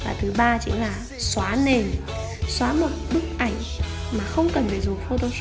và thứ chính là xoá nền xoá một bức ảnh mà không cần dùng photoshop